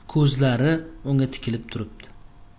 ko'zlari unga tikilib turibdi